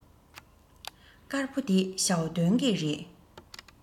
དཀར པོ འདི ཞའོ ཏོན གྱི རེད